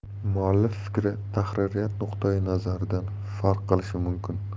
muallif fikri tahririyat nuqtai nazaridan farq qilishi mumkin